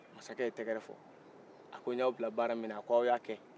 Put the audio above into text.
masakɛ ye tɛgɛrɛ fɔ a ko n y'aw bila baara min na ako aw y'a kɛ